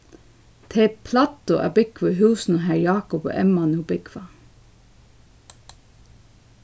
tey plagdu at búgva í húsunum har jákup og emma nú búgva